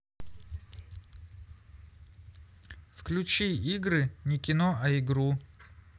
включи игры не кино а игру